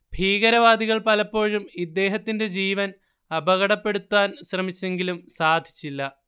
ഭീകരവാദികൾ പലപ്പോഴും ഇദ്ദേഹത്തിന്റെ ജീവൻ അപകടപ്പെടുത്താൻ ശ്രമിച്ചെങ്കിലും സാധിച്ചില്ല